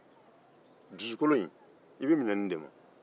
i be minɛ dusukolo de ma